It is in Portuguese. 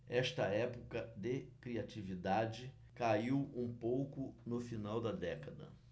esta época de criatividade caiu um pouco no final da década